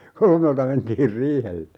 kolmelta mentiin riihelle